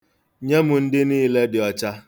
Nye m ndị niile dị ọcha.